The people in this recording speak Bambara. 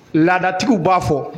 Laadatigiw b'a fɔ